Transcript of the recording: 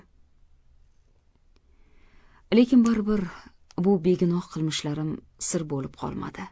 lekin baribir bu begunoh qilmishlarim sir bo'lib qolmadi